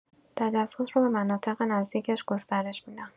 تجسس رو به مناطق نزدیکش گسترش می‌دن.